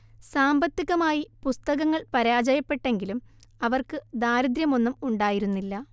സാമ്പത്തികമായി പുസ്തകങ്ങൾ പരാജയപ്പെട്ടെങ്കിലും അവർക്ക് ദാരിദ്ര്യമൊന്നും ഉണ്ടായിരുന്നില്ല